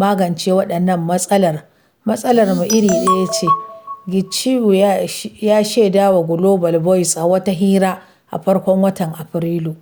magance wannan matsalar; matsalar mu iri ɗaya ce" Gicheru ya shedawa Global Voices a wata hira a farkon watan Afrilu.